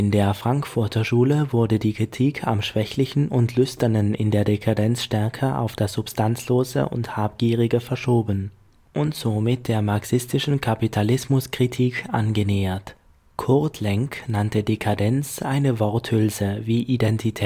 der Frankfurter Schule wurde die Kritik am Schwächlichen und Lüsternen in der Dekadenz stärker auf das Substanzlose und Habgierige verschoben und somit der marxistischen Kapitalismuskritik angenähert. Kurt Lenk nannte „ Dekadenz “eine Worthülse, wie Identität